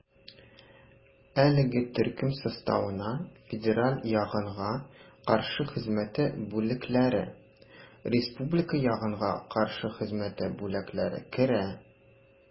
Әлеге төркем составына федераль янгынга каршы хезмәте бүлекләре, республика янгынга каршы хезмәте бүлекләре керә.